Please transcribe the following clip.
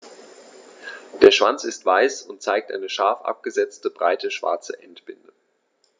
Der Schwanz ist weiß und zeigt eine scharf abgesetzte, breite schwarze Endbinde.